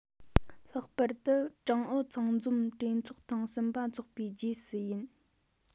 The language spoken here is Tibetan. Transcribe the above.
ལྷག པར དུ ཀྲུང ཨུ ཚང འཛོམས གྲོས ཚོགས ཐེངས གསུམ པ འཚོགས པའི རྗེས སུ ཡིན